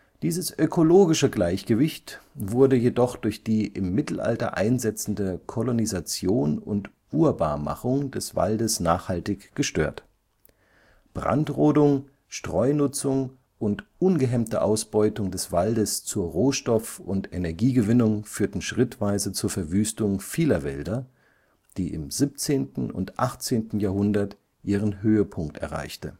Dieses ökologische Gleichgewicht wurde jedoch durch die im Mittelalter einsetzende Kolonisation und Urbarmachung des Waldes nachhaltig gestört. Brandrodung, Streunutzung und ungehemmte Ausbeutung des Waldes zur Rohstoff - und Energiegewinnung führten schrittweise zur Verwüstung vieler Wälder, die im 17. Und 18. Jahrhundert ihren Höhepunkt erreichte